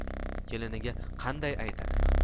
keliniga qanday aytadi